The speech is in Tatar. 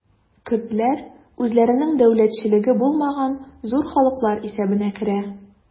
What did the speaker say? Көрдләр үзләренең дәүләтчелеге булмаган зур халыклар исәбенә керә.